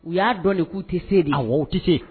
U ya dɔn de ku te se de. Awɔ u tɛ se